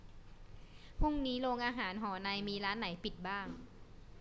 พรุ่งนี้โรงอาหารหอในมีร้านไหนปิดบ้าง